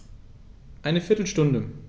Eine viertel Stunde